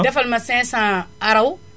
defal ma cinq cent araw